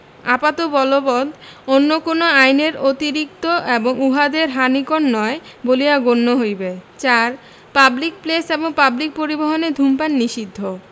আপাতত বলবৎ অন্য কোন আইন এর অরিক্তি এবংউহাদের হানিকর নয় বলিয়া গণ্য হইবে ৪ পাবলিক প্লেস এবং পাবলিক পরিবহণে ধূমপান নিষিদ্ধ